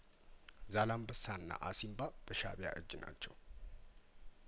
ዛላንበሳ እና አሲንባ በሻእቢያ እጅ ናቸው